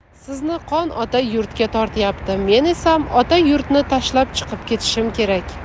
sizni qon ota yurtga tortyapti men esam ota yurtni tashlab chiqib ketishim kerak